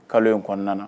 Kalo in kɔnɔna